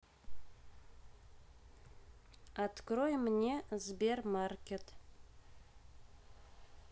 открой мне сбермаркет